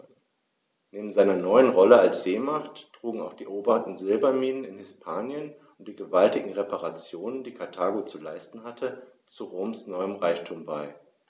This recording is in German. Neben seiner neuen Rolle als Seemacht trugen auch die eroberten Silberminen in Hispanien und die gewaltigen Reparationen, die Karthago zu leisten hatte, zu Roms neuem Reichtum bei.